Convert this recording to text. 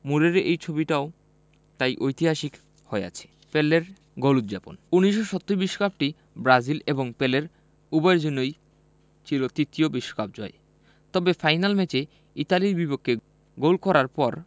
মুরের এই ছবিটাও তাই ঐতিহাসিক হয়ে আছে পেলের গোল উদ্যাপন ১৯৭০ বিশ্বকাপটি ব্রাজিল এবং পেলে উভয়ের জন্যই ছিল তৃতীয় বিশ্বকাপ জয় তবে ফাইনাল ম্যাচে ইতালির বিপক্ষে গোল করার পর